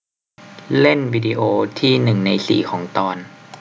เล่นวีดิโอที่หนึ่งในสี่ของตอน